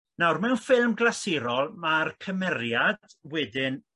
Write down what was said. Nawr mewn ffilm glasurol ma'r cymeriad wedyn